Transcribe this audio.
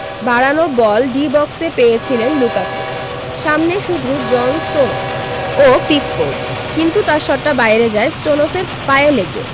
বাড়ানো বল ডি বক্সে পেয়েছিলেন লুকাকু সামনে শুধু জন স্টোনস ও পিকফোর্ড কিন্তু তাঁর শটটা বাইরে যায় স্টোনসের পায়ে লেগে